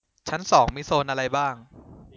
ชั้นสองมีโซนอะไรบ้าง